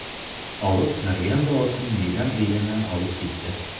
Алып Мәргән дә атын мәйдан әйләнә алып китте.